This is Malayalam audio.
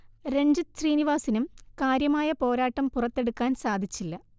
രൺജിത് ശ്രീനിവാസിനും കാര്യമായ പോരാട്ടം പുറത്തെടുക്കാൻ സാധിച്ചില്ല